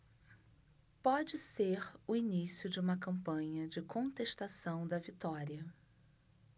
pode ser o início de uma campanha de contestação da vitória